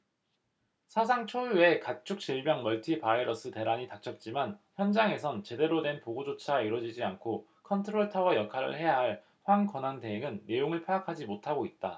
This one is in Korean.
사상 초유의 가축 질병 멀티 바이러스 대란이 닥쳤지만 현장에선 제대로 된 보고조차 이뤄지지 않고 컨트롤타워 역할을 해야 할 황 권한대행은 내용을 파악하지 못하고 있다